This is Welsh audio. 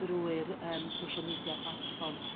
drwy'r yrm social media platforms.